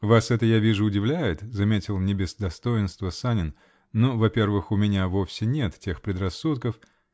-- Вас это, я вижу, удивляет, -- заметил не без достоинства Санин, -- но, во-первых, у меня вовсе нет тех предрассудков.